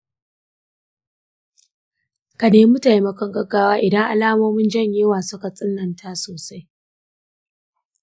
ka nemi taimakon gaggawa idan alamomin janyewa suka tsananta sosai.